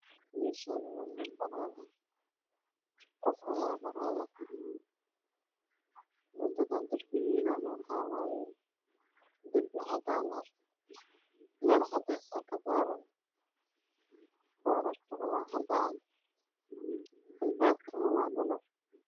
Mashan waa mel banan ah waxaa marayo qof aamarayo wadadan dirbged waa cadan nalcades ah aakadaran borarkane waa cadan albabkane waa dhalo